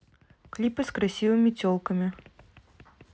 клипы с красивыми телками